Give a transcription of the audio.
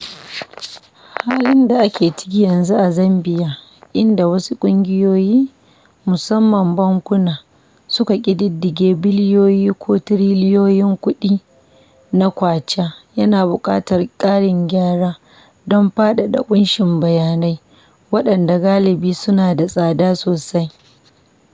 Halin da ake ciki yanzu a Zambiya, inda wasu ƙungiyoyi, musamman bankuna suke ƙididdige biliyoyi ko tiriliyoyin kuɗi na Kwacha, yana buƙatar ƙarin gyara don faɗaɗa ƙunshin bayanai, waɗanda galibi suna da tsada sosai.